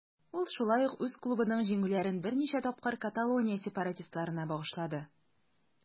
Ул шулай ук үз клубының җиңүләрен берничә тапкыр Каталония сепаратистларына багышлады.